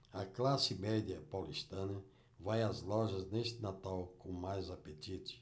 a classe média paulistana vai às lojas neste natal com mais apetite